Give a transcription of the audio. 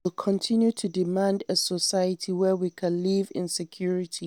We will continue to demand a society where we can live in security.